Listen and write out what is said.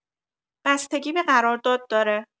بستگی به قرارداد داره